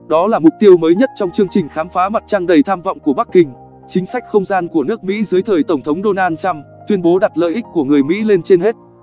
đó là mục tiêu mới nhất trong chương trình khám phá mặt trăng đầy tham vọng của bắc kinh chính sách không gian của nước mỹ dưới thời tổng thống donald trump tuyên bố đặt lợi ích của người mỹ lên trên hết